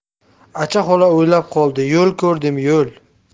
acha xola o'ylanib qoldi yo'l ko'rdem yo'l